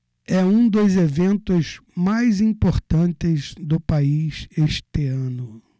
é um dos eventos mais importantes do país este ano